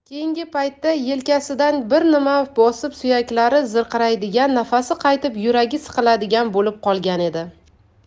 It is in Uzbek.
keyingi paytda yelkasidan bir nima bosib suyaklari zirqiraydigan nafasi qaytib yuragi siqiladigan bo'lib qolgan edi